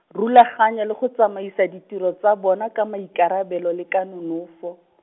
rulaganya le go tsamaisa ditiro tsa bona ka maikarabelo le ka nonofo .